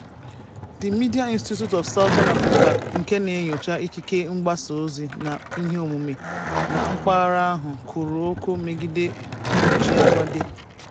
The Media Institute of Southern Africa, nke na-enyocha ikike mgbasaozi na iheomume na mpaghara ahụ, kwuru okwu megide nwụchi Amade: